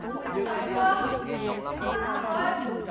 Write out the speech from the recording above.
a lô mẹ sắp tới chưa con tan học rồi